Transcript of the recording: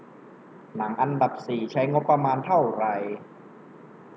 หนังอันดับสี่ใช้งบประมาณเท่าไหร่